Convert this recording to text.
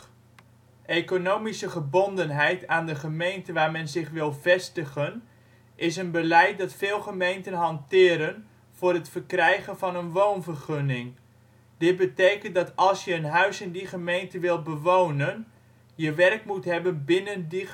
Economische gebondenheid aan de gemeente waar men zich wil vestigen, is een beleid dat veel gemeenten hanteren voor het verkrijgen van een woonvergunning. Dit betekent dat als je een huis in die gemeente wilt bewonen, je werk moet hebben binnen die